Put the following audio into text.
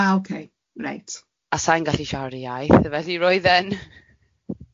Ah ok, reit. A sa i'n gallu siarad y iaith, felly roedd e'n .